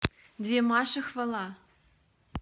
две маши хвала